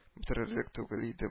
Бетерерлек түгел иде